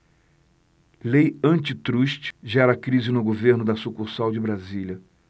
lei antitruste gera crise no governo da sucursal de brasília